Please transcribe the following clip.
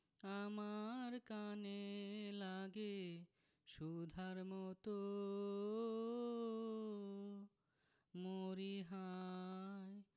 আমার কানে লাগে সুধার মতো মরিহায়